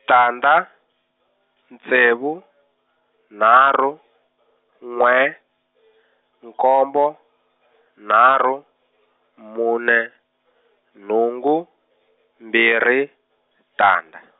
tandza, ntsevu, nharhu, n'we, nkombo, nharhu, mune, nhungu, mbirhi, tandza.